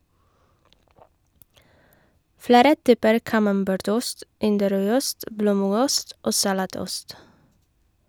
Flere typer camembert-ost, Inderøyost, blåmuggost og salatost.